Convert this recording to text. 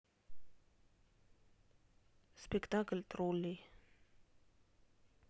спектакль троллей